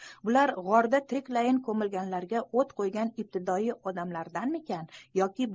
bular g'orda tiriklayin ko'milganlarga o't qo'ygan ibtidoiy odamlardanmikin yoki